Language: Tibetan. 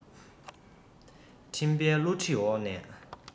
འཕྲིན པས བསླུ བྲིད འོག ནས